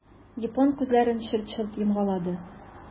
Япон күзләрен челт-челт йомгалады.